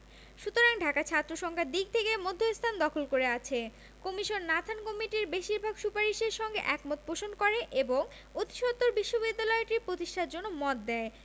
সুতরাং ঢাকা ছাত্রসংখ্যার দিক থেকে মধ্যস্থান দখল করে আছে কমিশন নাথান কমিটির বেশির ভাগ সুপারিশের সঙ্গে একমত পোষণ করে এবং অতিসত্বর বিশ্ববিদ্যালয়টি প্রতিষ্ঠার জন্য মত দেয়